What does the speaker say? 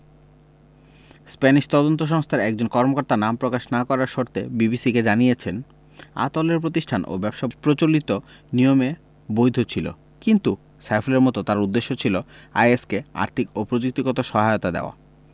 Spanish তদন্ত সংস্থার একজন কর্মকর্তা নাম প্রকাশ না করার শর্তে বিবিসিকে জানিয়েছেন আতাউলের প্রতিষ্ঠান ও ব্যবসা প্রচলিত নিয়মে বৈধ ছিল কিন্তু সাইফুলের মতো তার উদ্দেশ্য ছিল আইএস কে আর্থিক ও প্রযুক্তিগত সহায়তা দেওয়া